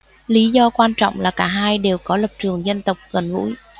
lý do quan trọng là cả hai đều có lập trường dân tộc gần gũi